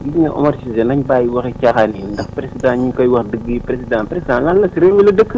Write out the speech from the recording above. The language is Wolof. gis nga Omar Cissé nañ bàyyi waxi caaxaan yii ndax président ñu koy wax dëgg yi président président lan la si réew mi la dëkk